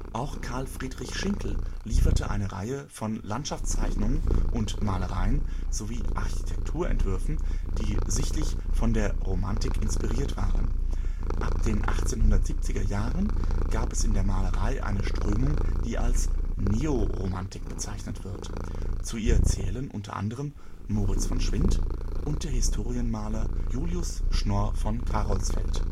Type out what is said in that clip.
Auch Karl Friedrich Schinkel lieferte eine Reihe von Landschaftszeichnungen und Malereien sowie Architekturentwürfen, die sichtlich von der Romantik inspiriert waren. Ab den 1870er Jahren gab es in der Malerei eine Strömung, die als Neoromantik bezeichnet wird. Zu ihr zählen u. a. Moritz von Schwind und der Historienmaler Julius Schnorr von Carolsfeld